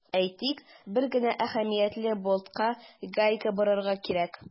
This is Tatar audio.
Әйтик, бер әһәмиятле болтка гайка борырга кирәк.